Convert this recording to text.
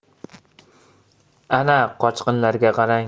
ana qochqinlarga qarang